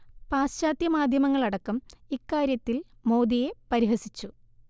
പാശ്ചാത്യ മാദ്ധ്യമങ്ങൾ അടക്കം ഇക്കാര്യത്തിൽ മോദിയെ പരിഹസിച്ചു